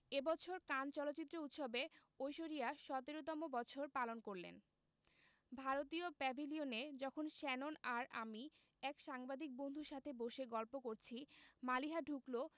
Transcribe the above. এ বছর কান চলচ্চিত্র উৎসবে ঐশ্বরিয়া ১৭তম বছর পালন করলেন ভারতীয় প্যাভিলিয়নে যখন শ্যানন আর আমি এক সাংবাদিক বন্ধুর সাথে বসে গল্প করছি মালিহা ঢুকলো